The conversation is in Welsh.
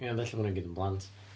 Ia, ond ella bod nhw i gyd yn blant.